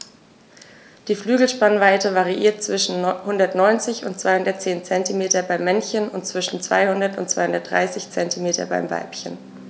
Die Flügelspannweite variiert zwischen 190 und 210 cm beim Männchen und zwischen 200 und 230 cm beim Weibchen.